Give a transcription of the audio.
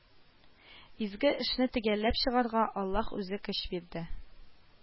Изге эшне төгәлләп чыгарга, Аллаһ үзе көч бирде